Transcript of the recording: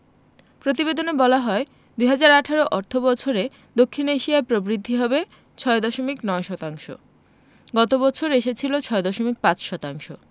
প্রতিবেদনে বলা হয় ২০১৮ অর্থবছরে দক্ষিণ এশিয়ায় প্রবৃদ্ধি হবে ৬.৯ শতাংশ গত বছর এসেছিল ৬.৫ শতাংশ